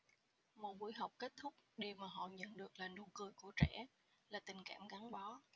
mỗi buổi học kết thúc điều mà họ nhận được là nụ cười của trẻ là tình cảm gắn bó